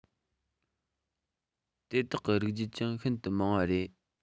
དེ དག གི རིགས རྒྱུད ཀྱང ཤིན ཏུ མང བ རེད